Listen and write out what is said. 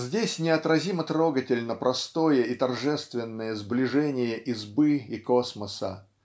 Здесь неотразимо трогательно простое и торжественное сближение избы и космоса